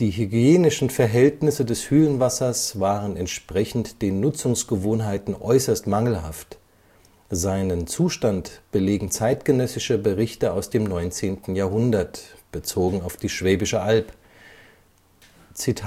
hygienischen Verhältnisse des Hülenwassers waren entsprechend den Nutzungsgewohnheiten äußerst mangelhaft, seinen Zustand belegen zeitgenössische Berichte aus dem 19. Jahrhundert (bezogen auf die Schwäbische Alb): „ Sie